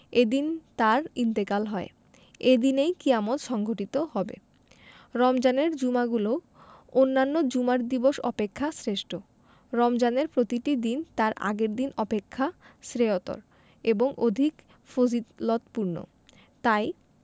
এদিন তাঁর ইন্তেকাল হয় এদিনেই কিয়ামত সংঘটিত হবে রমজানের জুমাগুলো অন্যান্য জুমার দিবস অপেক্ষা শ্রেষ্ঠ রমজানের প্রতিটি দিন তার আগের দিন অপেক্ষা শ্রেয়তর এবং অধিক ফজিলতপূর্ণ তাই